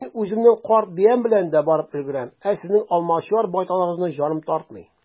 Мин үземнең карт биям белән дә барып өлгерәм, ә сезнең алмачуар байталыгызны җаным тартмый.